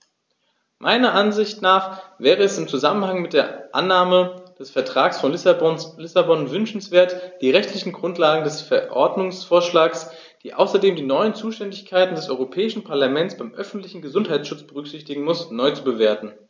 Meiner Ansicht nach jedoch wäre es im Zusammenhang mit der Annahme des Vertrags von Lissabon wünschenswert, die rechtliche Grundlage des Verordnungsvorschlags, die außerdem die neuen Zuständigkeiten des Europäischen Parlaments beim öffentlichen Gesundheitsschutz berücksichtigen muss, neu zu bewerten.